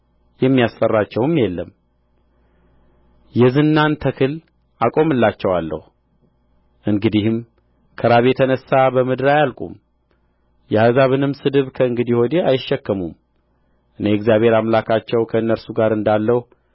የሚያስፈራቸውም የለም የዝናን ተክል አቆምላቸዋለሁ እንግዲህም ከራብ የተነሣ በምድር አያልቁም የአሕዛብንም ስድብ ከእንግዲህ ወዲህ አይሸከሙም እኔ እግዚአብሔር አምላካቸው ከእነርሱ ጋር እንዳለሁ